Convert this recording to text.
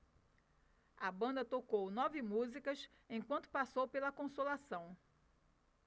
a banda tocou nove músicas enquanto passou pela consolação